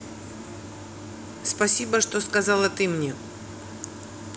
спасибо что сказала ты мне